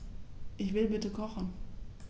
Ich will bitte kochen.